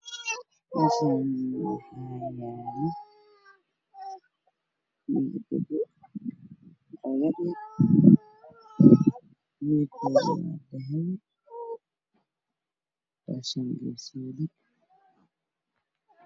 Meeshan waxa yaalo midabo yar yar midabkeda tahay waa suuli suuli